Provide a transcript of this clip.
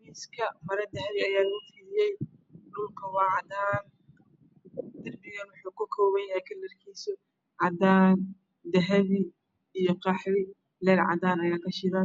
miiska maro cad ayaa kufidsan. Dhulkana waa cadaan. Darbiguna waa cadaan, dahabi iyo qaxwi. Leyr cadaan ah ayaa kashidan.